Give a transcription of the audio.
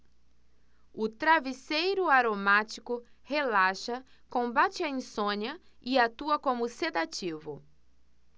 o travesseiro aromático relaxa combate a insônia e atua como sedativo